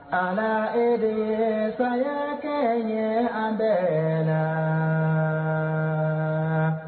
A na e de sayaya kɛ ye an bɛ la